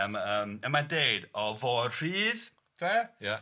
Yym yym a mae'n deud o fod rhydd de? Ia.